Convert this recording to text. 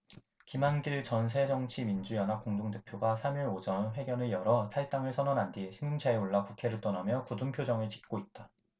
김한길 전 새정치민주연합 공동대표가 삼 일 오전 회견을 열어 탈당을 선언한 뒤 승용차에 올라 국회를 떠나며 굳은 표정을 짓고 있다